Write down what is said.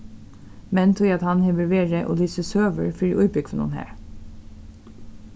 men tí at hann hevur verið og lisið søgur fyri íbúgvunum har